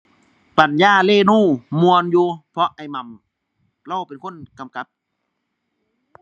ปัญญาเรณูม่วนอยู่ เพราะว่าอ้ายหม่ำ เลาเป็นคนกำกับ